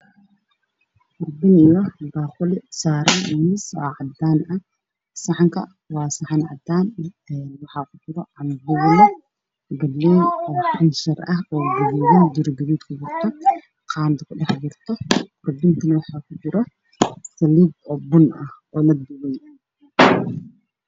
Waa baaquli saaran miis oo cadaan ah saxanka waa cadaan waxaa kujiro cambuulo galey oo gaduudan oo digir gaduud kujirto, qaado kujirto, kurbintana waxaa kujirto saliid oo bun ah oo ladubay.